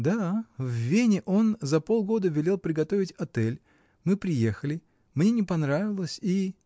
— Да: в Вене он за полгода велел приготовить отель, мы приехали, мне не понравилось, и.